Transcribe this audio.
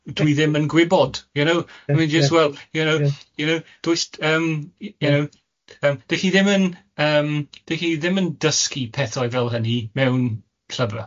dwi ddim yn gwybod, you know I mean just well you know you know, does yym you know yym dy chi ddim yn yym dy chi ddim yn dysgu pethau fel hynny mewn llyfra